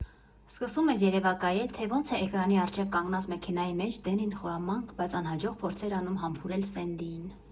Սկսում ես երևակայել, թե ոնց է էկրանի առջև կանգնած մեքենայի մեջ Դենին խորամանկ, բայց անհաջող փորձեր անում համբուրել Սենդիին։